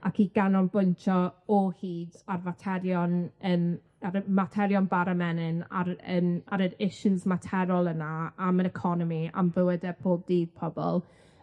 Ac i ganolbwyntio o hyd ar faterion yym ar y materion bara menyn, ar y yym ar yr issues materol yna am yr economi, am bywyde pob dydd pobol.